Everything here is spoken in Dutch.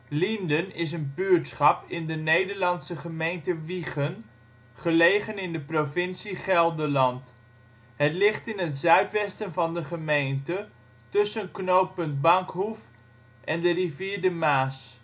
Lienden is een buurtschap in de Nederlandse gemeente Wijchen, gelegen in de provincie Gelderland. Het ligt in het zuidwesten van de gemeente tussen Knooppunt Bankhoef en de rivier de Maas